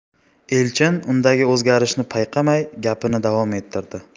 elchin undagi o'zgarishni payqamay gapini davom ettirdi